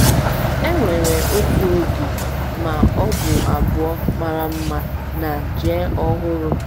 Enwere otu oge ma ọ bụ abụọ mara mma na JE ọhụrụ a.